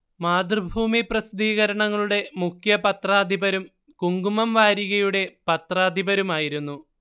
മാതൃഭൂമി പ്രസിദ്ധീകരണങ്ങളുടെ മുഖ്യ പത്രാധിപരും കുങ്കുമം വാരികയുടെ പത്രാധിപരുമായിരുന്നു